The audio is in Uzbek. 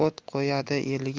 o't qo'yadi eliga